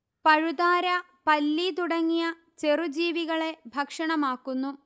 പഴുതാര പല്ലി തുടങ്ങിയ ചെറു ജീവികളെ ഭക്ഷണമാക്കുന്നു